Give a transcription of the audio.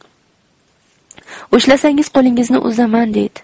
ushlasangiz qo'lingizni uzaman deydi